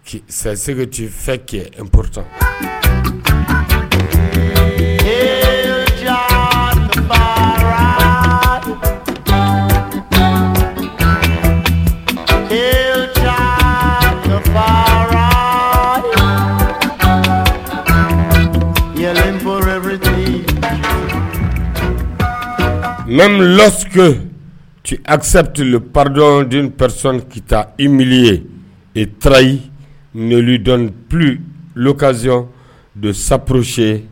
Sɛseti fɛn kɛ nptan palenp bɛ n lassiw tu asapti pardy ni pz kita i mili ye i taara ye nililudɔnp lukazson don sapurrossie